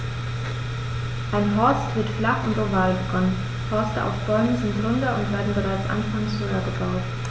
Ein Horst wird flach und oval begonnen, Horste auf Bäumen sind runder und werden bereits anfangs höher gebaut.